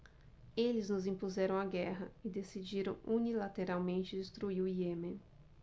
eles nos impuseram a guerra e decidiram unilateralmente destruir o iêmen